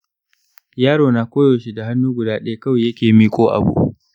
yarona koyaushe da hannu guda ɗaya kawai yake miƙo abu